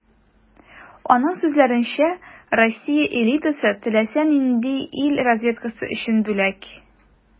Аның сүзләренчә, Россия элитасы - теләсә нинди ил разведкасы өчен бүләк.